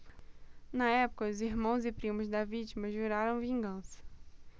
na época os irmãos e primos da vítima juraram vingança